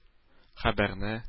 Хәбәрне